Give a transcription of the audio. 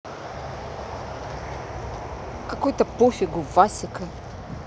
какой то пофигу васико